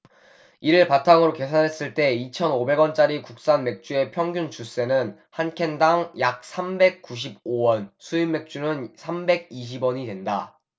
이를 바탕으로 계산했을 때 이천 오백 원짜리 국산맥주의 평균 주세는 한 캔 당 약 삼백 구십 오 원 수입맥주는 삼백 이십 원이된다